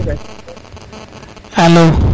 alo